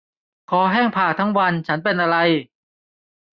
คอแห้งผากทั้งวันฉันเป็นอะไร